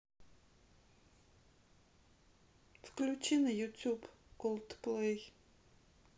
включи на ютуб колд плей